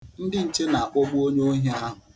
Ndị nche na-akpọgbu onyeohi ahụ.